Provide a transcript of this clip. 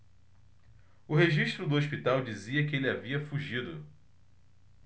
o registro do hospital dizia que ele havia fugido